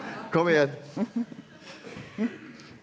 kom igjen!